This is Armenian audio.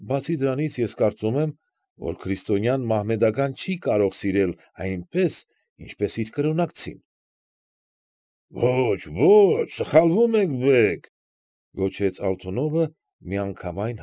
Բացի դրանից, ես կարծում եմ, որ քրիստոնյան մահմեդականին չի կարող սիրել այնպես, ինչպես իր կրոնակցին։ ֊ Ո՛չ, ո՛չ, սխալվում եք, բեգ,֊ գոչեց Ալթունովը, միանգամայն։